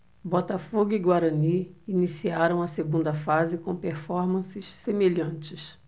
botafogo e guarani iniciaram a segunda fase com performances semelhantes